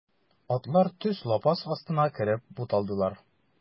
Атлар төз лапас астына кереп буталдылар.